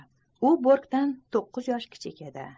u borkdan to'qqiz yosh kichik edi